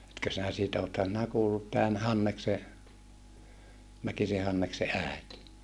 etkö sinä siitä olethan sinä kuullut tämän Hanneksen Mäkisen Hanneksen äiti